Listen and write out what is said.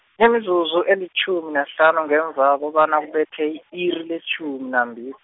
imizuzu elitjhumi nahlanu ngemva kobana kubethe i-iri letjhumi nambil- .